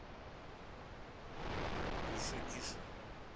еще тише